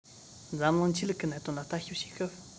འཛམ གླིང གི ཆོས ལུགས གནད དོན ལ ལྟ ཞིབ བྱེད སྐབས